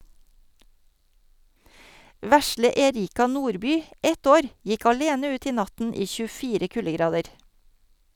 Vesle Erika Nordby, ett år, gikk alene ut i natten i 24 kuldegrader.